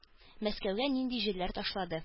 Мәскәүгә нинди җилләр ташлады?